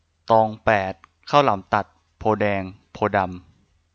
ตองแปดข้าวหลามตัดโพธิ์แดงโพธิ์ดำ